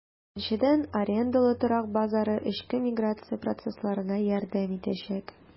Икенчедән, арендалы торак базары эчке миграция процессларына ярдәм итәчәк.